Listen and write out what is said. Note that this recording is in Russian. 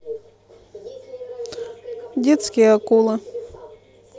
детские акулы